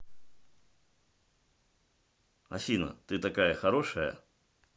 афина ты такая хорошая